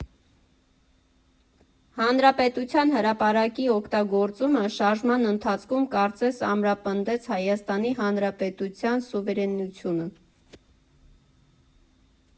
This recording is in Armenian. Հանրապետության հրապարակի օգտագործումը շարժման ընթացքում կարծես ամրապնդեց Հայաստանի Հանրապետության սուվերենությունը։